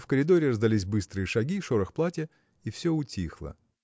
но в коридоре раздались быстрые шаги шорох платья – и все утихло.